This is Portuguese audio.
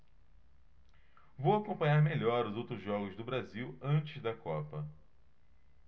vou acompanhar melhor os outros jogos do brasil antes da copa